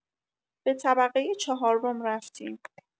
به طبقۀ چهارم رفتیم.